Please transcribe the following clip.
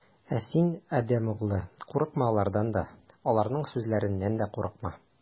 Ә син, адәм углы, курыкма алардан да, аларның сүзләреннән дә курыкма.